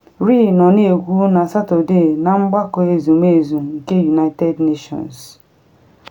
Ri nọ na ekwu na Satọde na Mgbakọ Ezumezu nke United Nations.